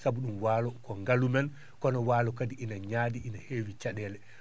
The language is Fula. sabu ?um waalo ko ngalu men kono waalo kadi ina ñaa?i ine heewi ca?ee"le